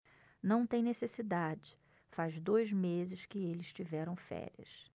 não tem necessidade faz dois meses que eles tiveram férias